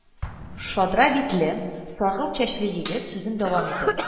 Шадра битле, саргылт чәчле егет, сүзен дәвам итеп: